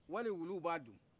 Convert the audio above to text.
wali wuluw b'a dun